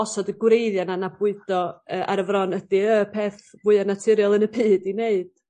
osod y gwreiddia' 'na na bwydo yy ar y fron ydi y peth fwya naturiol yn y byd i neud